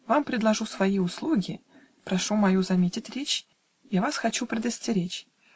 Вам предложу свои услуги; Прошу мою заметить речь: Я вас хочу предостеречь.